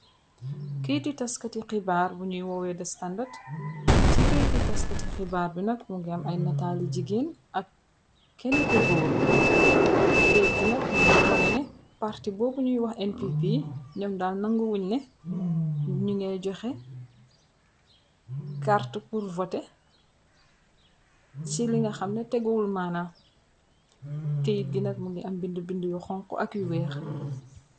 Keyti taskati xibaar bunui woowe the standard, ci keyti taskati xibaar bi nak mungi am ay nataali jigéen ak kenue ku gorre, keyti gui nak mungeh woneh neh parti bobu njui wakh NPP njom daal nangu wungh neh njungeh jokheh cartu pur voteh, ci li nga xamneh teh guwul maana, keyti gui nak mingi am bind bind lu xonku ak yu weex.